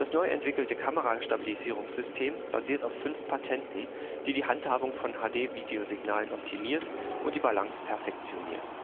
neu entwickelte Kamera-Stabilisierungs-System basiert auf fünf Patenten, die die Handhabung von HD-Videosignalen optimiert und die Balance perfektioniert